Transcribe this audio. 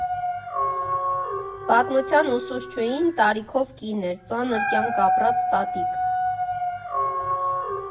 Պատմության ուսուցչուհին տարիքով կին էր, ծանր կյանք ապրած տատիկ։